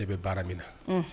I bɛ baara min na